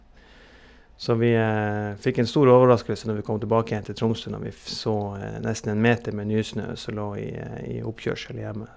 Så vi fikk en stor overraskelse når vi kom tilbake igjen til Tromsø når vi f så nesten en meter med nysnø som lå i i oppkjørselen hjemme.